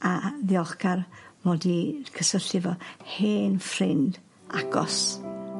a a ddiolchgar mod i cysylltu efo hen ffrind agos.